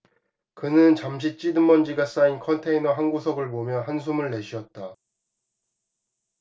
그는 잠시 찌든 먼지가 쌓인 컨테이너 한 구석을 보며 한숨을 내쉬었다